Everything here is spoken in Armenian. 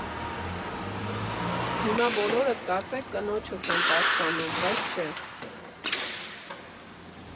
Հիմա բոլորդ կասեք՝ կնոջս եմ պաշտպանում, բայց՝ չէ։